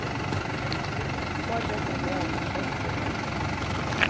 smágentan bað um eitt teppi og ein kodda